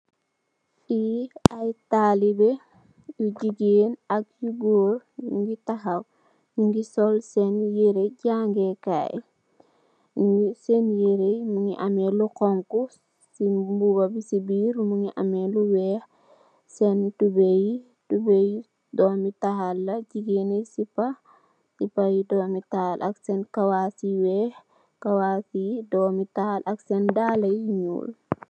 Kee aye talibeh yu jegain ak yu goor nuge tahaw nuge sol sen yere jagekay nuge sen yere ye muge ameh lu xonxo sen muba be se birr muge ameh lu weex sen tubaye ye tubaye doome tahal la jegain ye sepa sepa yu doome tahal la ak sen kawass yu weex kawass yu doome taal ak sen dalla yu nuul.